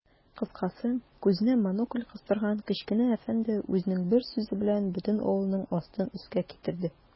Кыскасы, күзенә монокль кыстырган кечкенә әфәнде үзенең бер сүзе белән бөтен авылның астын-өскә китерде.